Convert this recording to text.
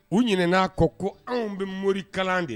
U ɲin n'a kɔ ko anw bɛ mori kalan de la